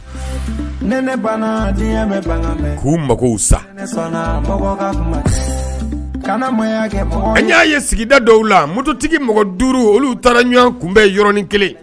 U mako y ye sigida dɔw la mututigi mɔgɔ duuru olu taara ɲɔgɔn kun bɛɔrɔnin kelen